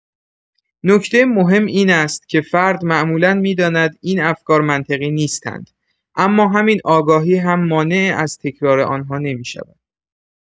نکته مهم این است که فرد معمولا می‌داند این افکار منطقی نیستند، اما همین آگاهی هم مانع از تکرار آن‌ها نمی‌شود.